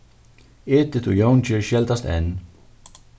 edith og jóngerð skeldast enn